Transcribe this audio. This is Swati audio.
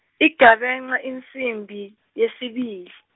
igabence insimbi, yesibili.